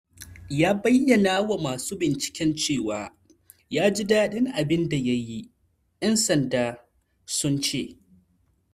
Ya bayyana wa masu binciken cewa ya ji daɗin abin da ya yi, 'yan sanda sun ce.